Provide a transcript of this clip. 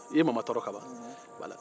i ye mara tɔɔrɔ kaban